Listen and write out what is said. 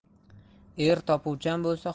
er topuvchan bo'lsa